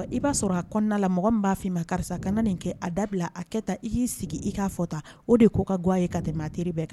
I ba sɔrɔ a kɔnɔna la mɔgɔ min ba fi ma karisa kana nin kɛ a dabila a kɛ tan i ki sigi i ka fɔ tan . O de ka ko ka go i ye ka tɛmɛ maa teri bɛɛ kan.